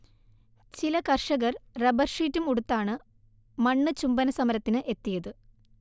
ചില കർഷകർ റബ്ബർഷീറ്റും ഉടുത്താണ് മണ്ണ് ചുംബന സമരത്തിന് എത്തിയത്